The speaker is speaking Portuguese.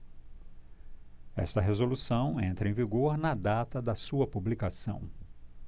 esta resolução entra em vigor na data de sua publicação